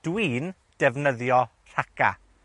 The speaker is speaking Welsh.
Dwi'n defnyddio rhaca.